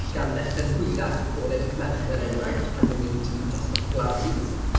Gan ddechrau'n hwyrach bore dydd Mercher, er enghraifft, pan dwi'n mynd i'm dosbarth pilates.